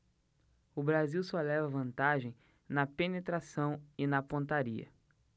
o brasil só leva vantagem na penetração e na pontaria